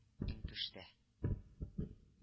Иңкештә